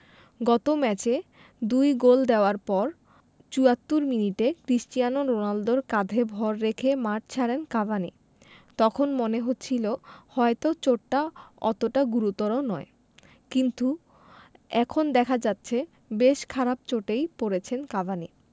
গত ম্যাচে দুই গোল দেওয়ার পর ৭৪ মিনিটে ক্রিস্টিয়ানো রোনালদোর কাঁধে ভর রেখে মাঠ ছাড়েন কাভানি তখন মনে হচ্ছিল হয়তো চোটটা অতটা গুরুতর নয় কিন্তু এখন দেখা যাচ্ছে বেশ খারাপ চোটেই পড়েছেন কাভানি